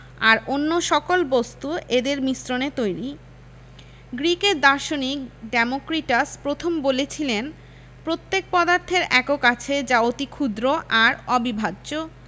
আর অন্য সকল বস্তু এদের মিশ্রণে তৈরি গ্রিসের দার্শনিক ডেমোক্রিটাস প্রথম বলেছিলেন প্রত্যেক পদার্থের একক আছে যা অতি ক্ষুদ্র আর অবিভাজ্য